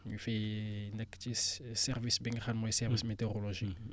bu fi nekk ci service bi nga xam mooy service météorologie